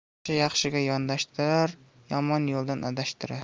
yaxshi yaxshiga yondashtirar yomon yo'ldan adashtirar